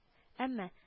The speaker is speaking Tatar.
Әмма